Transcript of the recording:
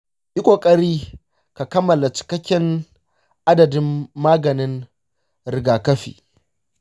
yi ƙoƙari ka kammala cikakken adadin maganin rigakafi.